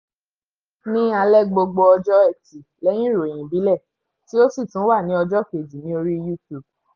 Ní alẹ́ gbogbo ọjọ́ Ẹtì lẹ́yìn ìròyìn ìbílẹ̀, tí ó sì tún wà ní ọjọ́ kejì ní orí YouTube).